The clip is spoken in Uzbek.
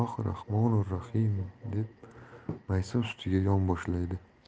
rahmonur rahim deb maysa ustiga yonboshlaydi